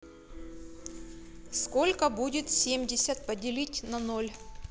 сколько будет семьдесят поделить на ноль